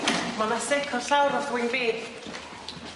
Mae 'na sic ar llawr off wing Bee.